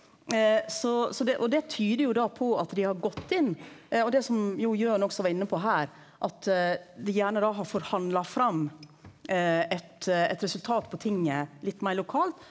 så så det og det tyder jo da på at dei har gått inn og det som jo Jørn også var inne på her at dei gjerne da har forhandla fram eit eit resultat på tinget litt meir lokalt.